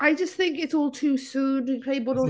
I just think it's all too soon. Dwi'n credu bod nhw...